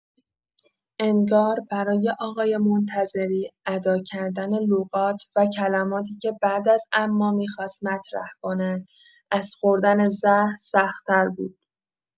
انگار برای آقای منتظری اداکردن لغات و کلماتی که بعد از اما می‌خواست مطرح کند، از خوردن زهر سخت‌تر بود.